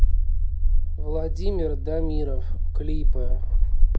владимир дамиров клипы